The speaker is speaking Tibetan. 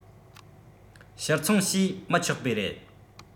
ཕྱིར འཚོང བྱས མི ཆོག པའི རེད